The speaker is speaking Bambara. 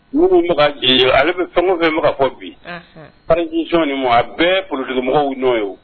Minnu bɛ ka bi ale bɛ fɛn o fɛn bɛ ka fɔ bi transition nin ma a bɛɛ politikimɔgɔw nɔ ye